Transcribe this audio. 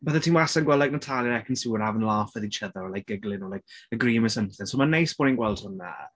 Byddet ti wastad yn gweld like Natalia a Ekin Su yn having a laugh with each other or like giggling or like agreeing with something. So mae'n neis bod ni'n gweld hwnna.